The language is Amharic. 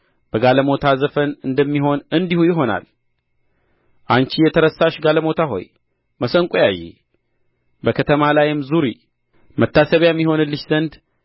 በጋለሞታ ዘፈን እንደሚሆን እንዲሁ ይሆናል አንቺ የተረሳሽ ጋለሞታ ሆይ መሰንቆ ያዢ በከተማ ላይም ዙሪ መታሰቢያም ይሆንልሽ ዘንድ